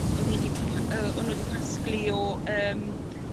odd 'i 'di ca- yy o' nw 'di casglu o yym